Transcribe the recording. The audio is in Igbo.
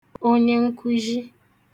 onyenkụzhị